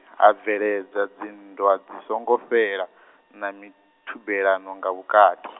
ha bveledza dzinndwa dzi songo fhela, na mithubelano nga vhukati.